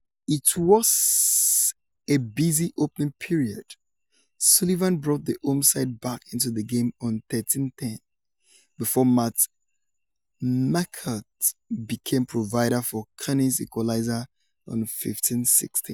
In what was a busy opening period, Sullivan brought the home side back into the game on 13:10 before Matt Marquardt became provider for Cownie's equalizer on 15:16.